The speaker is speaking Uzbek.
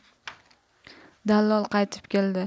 dallol qaytib keldi